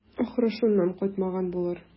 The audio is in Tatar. Ахры, шуннан кайтмаган булыр.